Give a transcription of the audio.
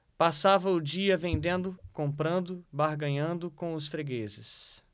passava o dia vendendo comprando barganhando com os fregueses